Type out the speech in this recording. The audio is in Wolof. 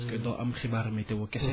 parce que doo am xibaari météo kese